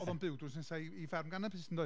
Oedd o'n byw drws nesa i i ffarm ganabis yndoedd.